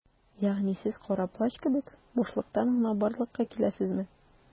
Ягъни сез Кара Плащ кебек - бушлыктан гына барлыкка киләсезме?